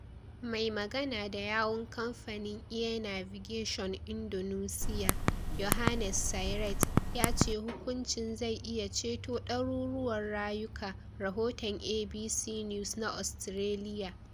Mai magana da yawun kamfanin Air Navigation Indonesia, Yohannes Sirait, ya ce hukuncin zai iya ceto daruruwan rayuka, rahoton ABC News na Australia.